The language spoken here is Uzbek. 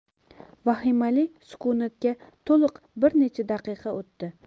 vahimali sukunatga to'liq bir necha daqiqa o'tdi